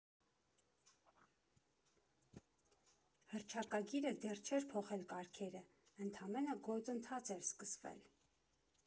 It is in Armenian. Հռչակագիրը դեռ չէր փոխել կարգերը, ընդամենը գործընթաց էր սկսվել.